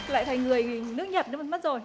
lại thành người nước nhật mất rồi